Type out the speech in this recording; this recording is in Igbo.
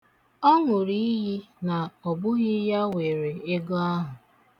Ọ nụrụ iyi na ọ bụghị ya were ego ahụ.